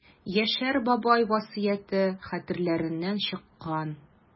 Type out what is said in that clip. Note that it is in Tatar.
Яшәр бабай васыяте хәтерләреннән чыккан.